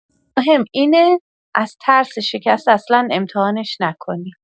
مهم اینه از ترس شکست اصلا امتحانش نکنی.